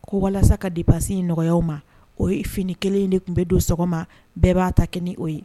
Ko walasa ka dépense in nɔgɔya u ma o ye fini kelen de tun bɛ don sɔgɔma bɛɛ b'a ta kɛ ni o ye